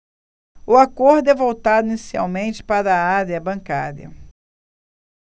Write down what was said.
o acordo é voltado inicialmente para a área bancária